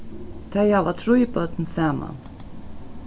tey hava trý børn saman